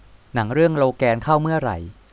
หนังเรื่องโลแกนเข้าเมื่อไหร่